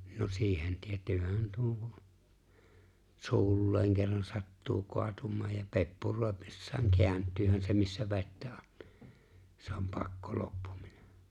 no siihen tietäähän tuon kun suulleen kerran sattuu kaatumaan ja peppuroidessaan kääntyyhän se missä vettä on niin se on pakko loppuminen